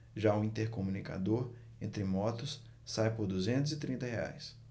já o intercomunicador entre motos sai por duzentos e trinta reais